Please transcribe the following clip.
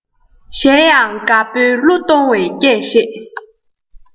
གཞན ཡང དགའ པོའི གླུ གཏོང བའི སྐད ཤེད